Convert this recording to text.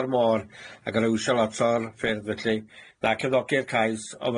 o'r môr ag yn iwsio lot o'r ffyrdd felly, na cefnogi'r cais on'